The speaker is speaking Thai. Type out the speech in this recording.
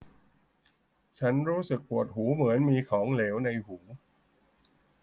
ฉันรู้สึกปวดหูเหมือนมีของเหลวในหู